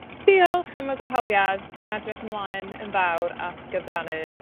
Diolch am y gwahoddiad dwi'n edrych ymlaen yn fawr at gyfrannu